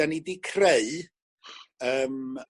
'dan ni 'di creu yym